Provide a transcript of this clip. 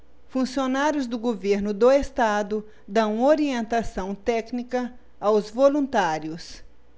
funcionários do governo do estado dão orientação técnica aos voluntários